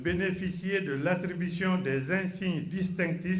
Bénéficier de l'attribution des insignes distintifs